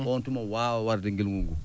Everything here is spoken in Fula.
on tuma waawa warde ngilngu nguu